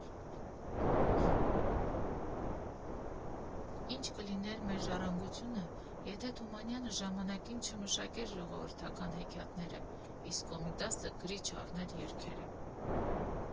Ի՞նչ կլիներ մեր ժառանգությունը, եթե Թումանյանը ժամանակին չմշակեր ժողովրդական հեքիաթները, իսկ Կոմիտասը գրի չառներ երգերը։